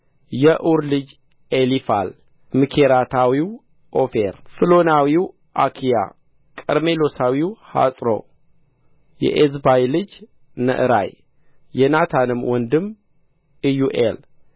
የኡር ልጅ ኤሊፋል ሚኬራታዊው ኦፌር ፍሎናዊው አኪያ ቀርሜሎሳዊው ሐጽሮ የኤዝባይ ልጅ ነዕራይ የናታንም ወንድም ኢዮኤል